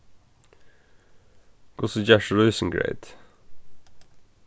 hvussu gert tú rísingreyt